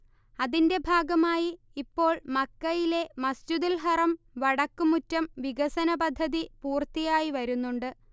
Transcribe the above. അതിന്റെ ഭാഗമായി ഇപ്പോൾ മക്കയിലെ മസ്ജിദുൽ ഹറം വടക്ക് മുറ്റം വികസനപദ്ധതി പൂർത്തിയായി വരുന്നുണ്ട്